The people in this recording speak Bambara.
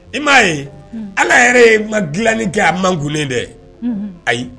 I ma ye alah yɛrɛ ye ,ma dilanni kɛ a man kunnen dɛ, unun, ayi